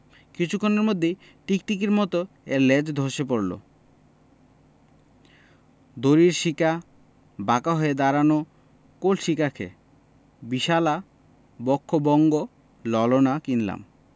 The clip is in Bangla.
কিছুক্ষণের মধ্যেই টিকটিকির মত এর ল্যাজ ধসে পড়ল দড়ির শিকা বাঁকা হয়ে দাঁড়ানো কলসি কাঁখে বিশালা বক্ষ বঙ্গ ললনা কিনলাম